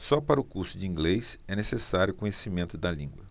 só para o curso de inglês é necessário conhecimento da língua